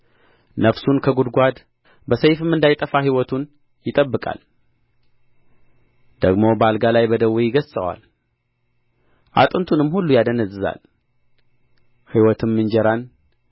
ነፍሱን ከጕድጓድ በሰይፍም እንዳይጠፋ ሕይወቱን ይጠብቃል ደግሞ በአልጋ ላይ በደዌ ይገሥጸዋል አጥንቱንም ሁሉ ያደነዝዛል ሕይወቱም እንጀራን